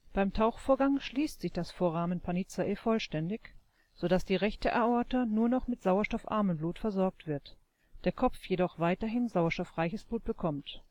Beim Tauchvorgang schließt sich das Foramen Panizzae vollständig, so dass die rechte Aorta nur noch mit sauerstoffarmem Blut versorgt wird, der Kopf jedoch weiterhin sauerstoffreiches Blut bekommt